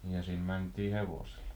niin ja sinne mentiin hevosilla